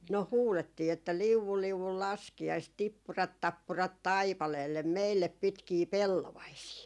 no huudettiin että liu'u liu'u laskiaista tippurat tappurat taipaleelle meille pitkiä pellovaisia